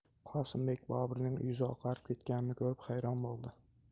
qosimbek boburning yuzi oqarib ketganini ko'rib hayron bo'ldi